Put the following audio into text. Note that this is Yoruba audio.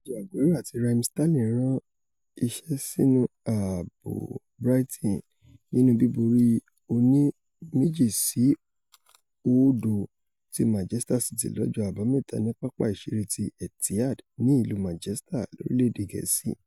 Sergio Aguero àti Raheem Sterling rán iṣẹ́ sínú ààbò Brighton nínú bíborí oní 2-0 ti Manchester City lọ́jọ́ Àbámẹta ni Pápá Ìṣeré ti Etihad ní ìlú Manchester, lorílẹ̀-èdè Gẹ̀ẹ́sì.